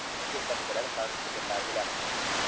bunga kattalar ham qiziqardilar